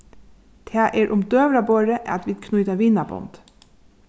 tað er um døgurðaborðið at vit knýta vinabond